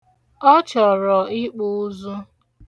Ọ chọrọ ịkpụ ụzụ.